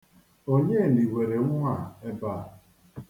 Onye niwere nwa a ebe a?